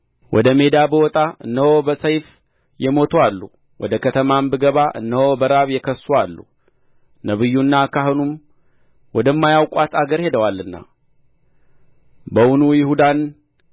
ወደ ሜዳ ብወጣ እነሆ በሰይፍ የሞቱ አሉ ወደ ከተማም ብገባ እነሆ በራብ የከሱ አሉ ነቢዩና ካህኑም ወደማያውቋት አገር ሄደዋልና በውኑ ይሁዳን